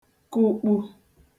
kụkpu